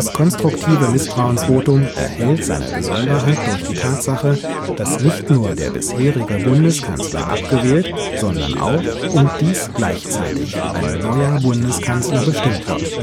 konstruktive Misstrauensvotum erhält seine Besonderheit durch die Tatsache, dass nicht nur der bisherige Bundeskanzler abgewählt, sondern auch – und dies gleichzeitig – ein neuer Bundeskanzler bestimmt wird